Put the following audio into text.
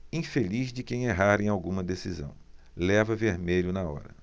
infeliz de quem errar em alguma decisão leva vermelho na hora